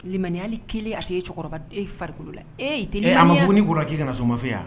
Lammiya kelen a e cɛkɔrɔba e fari la e ma ko ni bolo k'i ka na soma fɛ wa